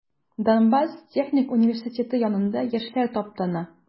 Донбасс техник университеты янында яшьләр таптана.